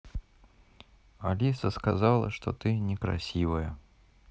алиса сказала что ты некрасивая